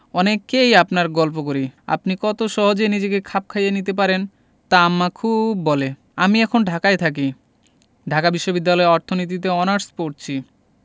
অনেককেই আপনার গল্প করি আপনি কত সহজে নিজেকে খাপ খাইয়ে নিতে পারেন তা আম্মা খুব বলে আমি এখন ঢাকা থাকি ঢাকা বিশ্ববিদ্যালয়ে অর্থনীতিতে অনার্স পরছি